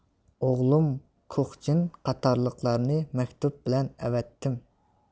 ئوغلۇم كۇخجىن قاتارلىقلارنى مەكتۇپ بىلەن ئەۋەتتىم